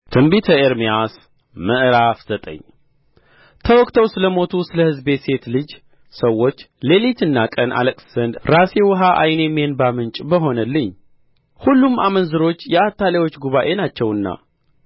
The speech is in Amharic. ትንቢተ ኤርምያስ ምዕራፍ ዘጠኝ ተወግተው ስለ ሞቱ ስለ ሕዝቤ ሴት ልጅ ሰዎች ሌሊትና ቀን አለቅስ ዘንድ ራሴ ውኃ ዓይኔም የእንባ ምንጭ በሆነልኝ ሁሉም አመንዝሮች የአታላዮች ጉባኤ ናቸውና